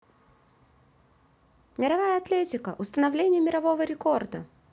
легкая атлетика установление мирового рекорда